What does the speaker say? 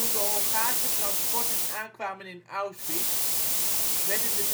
Hongaarse transporten aankwamen in Auschwitz, werd het de verzetsorganisatie